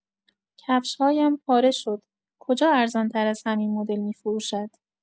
کفش‌هایم پاره شد، کجا ارزان‌تر از همین مدل می‌فروشد؟